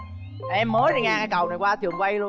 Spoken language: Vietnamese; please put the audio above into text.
em mới thôi nha cầu này qua trường quay luôn